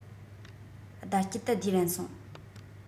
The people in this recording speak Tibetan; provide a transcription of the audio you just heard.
ཟླ དཀྱིལ དུ བསྡུས རན སོང